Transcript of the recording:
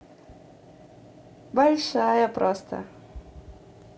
большая просто